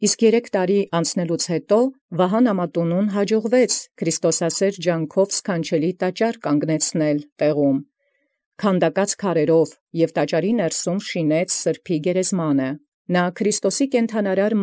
Իսկ յետ երից ամաց անցելոց յաջողեցան Վահանայ Ամատունւոյ քրիստոսասէր փութով խորան սքանչելի կանգնել տաշածոյ վիմաւք քանդակելովք, և ի ներքսագոյն խորանին զսրբոյն հանգիստն յաւրինեալ։